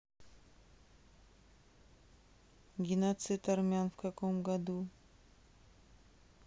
геноцид армян в каком году